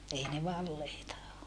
ei ne valeita ole